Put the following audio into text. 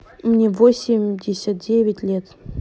мне восемьдесят девять лет